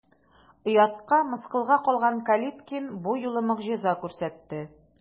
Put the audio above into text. Оятка, мыскылга калган Калиткин бу юлы могҗиза күрсәтте.